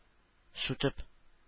Сүтеп